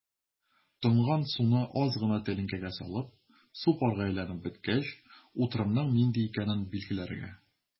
Тонган суны аз гына тәлинкәгә салып, су парга әйләнеп беткәч, утырымның нинди икәнен билгеләргә.